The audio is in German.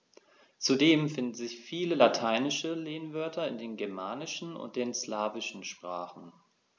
Zudem finden sich viele lateinische Lehnwörter in den germanischen und den slawischen Sprachen.